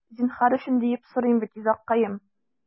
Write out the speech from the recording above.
Зинһар өчен, диеп сорыйм бит, йозаккаем...